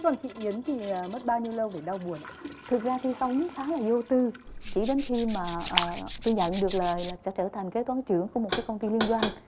còn chị yến thì mất bao nhiêu lâu để đau buồn ạ thực ra tôi sống khá là vô tư chỉ đến khi mà à tôi nhận được lời là sẽ trở thành kế toán trưởng của một cái công ty liên doanh